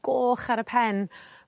goch ar y pen